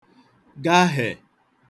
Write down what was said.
gahè